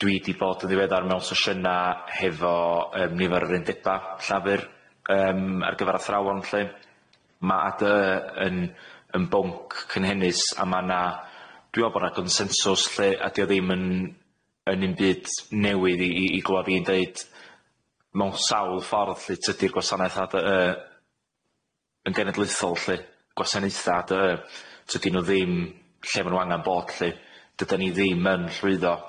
'Dw i di bod yn ddiweddar mewn seshyna hefo yym nifer o'r undeba llafur yym ar gyfar athrawon lly ma' a dy y yn yn bwnc cynhennus a ma' 'na dw i me'wl bo 'na gonsensws lly a 'di o ddim yn yn 'im byd newydd i i i glwad fi'n deud mewn sawl ffordd lly tydi'r gwasanaeth a dy y yn genedlaethol lly gwasanaetha a dy y tydi nw ddim lle ma' nw angan bod lly dydan ni ddim yn llwyddo.